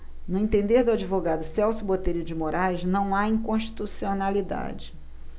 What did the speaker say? no entender do advogado celso botelho de moraes não há inconstitucionalidade